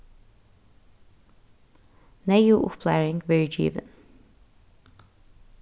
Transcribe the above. neyðug upplæring verður givin